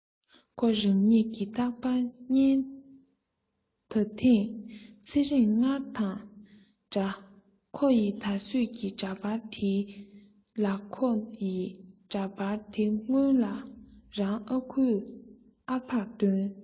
ཁོ རང ཉིད ཀྱི རྟག པར བརྙན ད ཐེངས ཚེ རིང སྔར དང འདྲ ཁོ ཡི ད གཟོད ཀྱི འདྲ པར དེའི ལག ཁོ ཡི འདྲ པར དེ སྔོན ལ རང ཨ ཁུས ཨ ཕར སྟོན